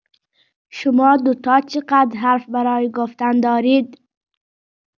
شما دوتا چقدر حرف برای گفتن دارید؟